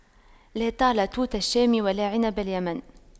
لا طال توت الشام ولا عنب اليمن